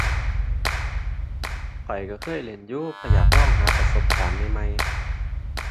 ข้อยก็เคยเล่นอยู่ ข้อยอยากลองหาประสบการณ์ใหม่ใหม่